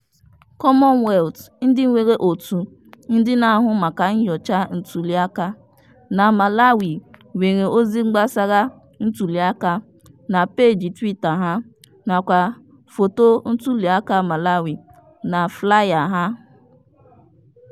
Commonwealth, ndị nwere òtù ndị na-ahụ maka nnyocha ntuliaka na Malawi, nwere ozi gbasara ntuliaka na peeji Twitter ha nakwa foto ntuliaka Malawi na Flickr ha.